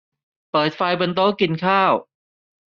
เปิดไฟบนโต๊ะกินข้าว